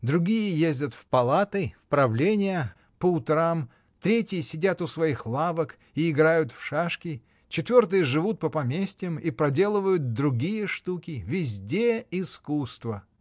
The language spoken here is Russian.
Другие ездят в палаты, в правления — по утрам, третьи сидят у своих лавок и играют в шашки, четвертые живут по поместьям и проделывают другие штуки — везде искусство!